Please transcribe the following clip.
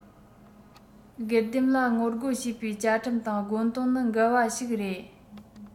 སྒེར སྡེམ ལ ངོ རྒོལ བྱེད པའི བཅའ ཁྲིམས དང དགོངས དོན ནི འགལ བ ཞིག རེད